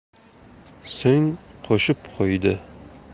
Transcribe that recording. so'ng qo'shib qo'ydi